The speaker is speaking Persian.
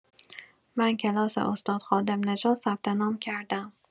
من کلاس استاد خادم نژاد ثبت‌نام کردم